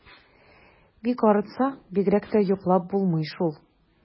Бик арытса, бигрәк тә йоклап булмый шул.